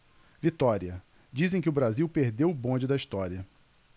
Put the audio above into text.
vitória dizem que o brasil perdeu o bonde da história